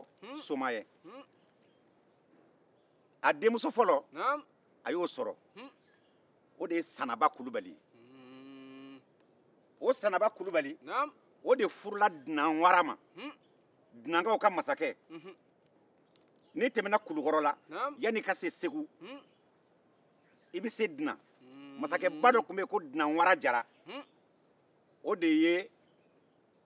a denmouso fɔlɔ a y'o sɔrɔ o de ye sanaba kulubali ye o sanaba kulubali o de furula dinan wara ma n'i tɛmɛna kulukɔrɔ la yanni i ka se segu i bɛ se dinan masakɛba dɔ tun bɛ yen ko dinan wara jara o de ye ale de furu